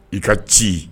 I ka ci